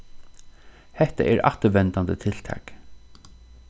hetta er afturvendandi tiltak